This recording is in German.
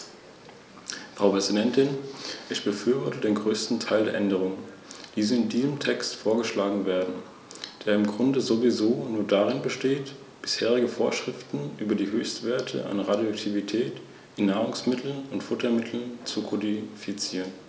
Zu dieser Verbrauchergruppe gehören vor allem Klein- und Mittelbetriebe, Händler und Familienunternehmen, und über EU-Instrumente, die Klein- und Mittelbetriebe finanziell unterstützen sollen, wurde gerade in dieser Sitzungsperiode diskutiert.